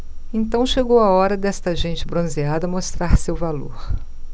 então chegou a hora desta gente bronzeada mostrar seu valor